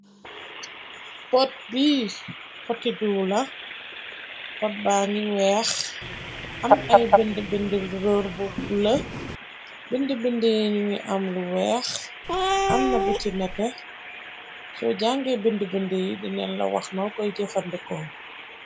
Pot bi potidiw la pot ba ngi weex am ay bindi bindi roor bu bulë bindi-bindi yi ñu ngi am lu weex amna bu ci nete so jànge bindi-bindi yi dineen la wax no koy jefandikoo.